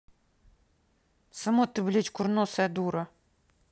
сама ты блядь курносая дура